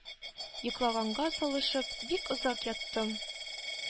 Йоклаганга салышып бик озак яттым.